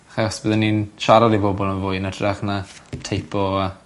Achos bydden ni'n siarad i bobol yn fwy yn ytrach na teipo a